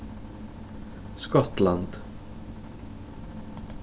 skotland